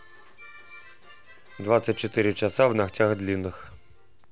двадцать четыре часа в ногтях длинных